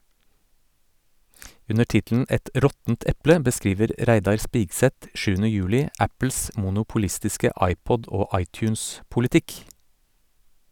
Under tittelen "Et råttent eple" beskriver Reidar Spigseth 7. juli Apples monopolistiske iPod- og iTunes-politikk.